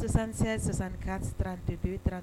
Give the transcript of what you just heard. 76 64 32